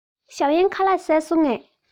ཞའོ གཡན ཁ ལག བཟས སོང ངས